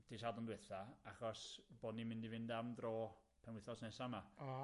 dy' Sadwrn dwetha achos bo' ni'n mynd i fynd am dro penwythos nesa 'ma. O.